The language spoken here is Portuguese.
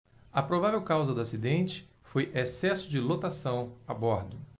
a provável causa do acidente foi excesso de lotação a bordo